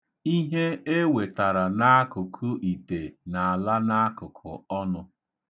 Ihe e wetara n'akụkụ ite na-ala n'akụkụ ọnụ.